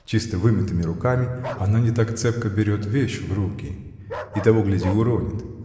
Чисто вымытыми руками она не так цепко берет вещь в руки и того гляди уронит